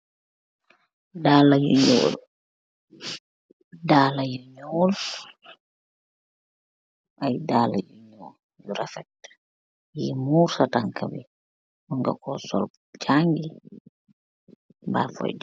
Daala yu nuul daala yu nuul ay daala yu nuul yu refet yi muur sa tanka bi nga ko sol jangi mba foyi.